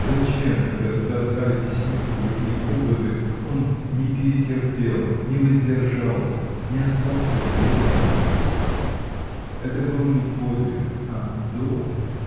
Зачем, когда туда стали тесниться другие образы, он не перетерпел, не воздержался, не остался верен ему? Это был не подвиг, а долг.